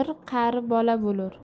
bir qari bola bo'lur